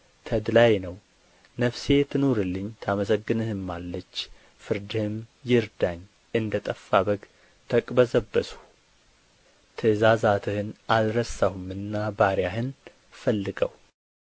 ተድላዬ ነው ፍሴ ትኑርልኝ ታመሰግንህማለች ፍርድህም ይርዳኝ እንደ ጠፉ በግ ተቅበዘበዝሁ ትእዛዛትህን አልረሳሁምና ባሪያህን ፈልገው